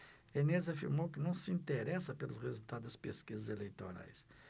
enéas afirmou que não se interessa pelos resultados das pesquisas eleitorais